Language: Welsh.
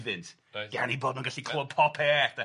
Gan 'u bod nhw'n gallu clywa popeth 'de.